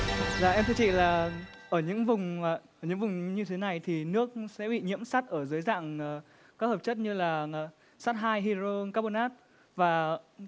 dạ em thưa chị là ở những vùng ơ những vùng như thế này thì nước sẽ bị nhiễm sắt ở dưới dạng ờ các hợp chất như là sắt hai hi đờ rô các bon nát và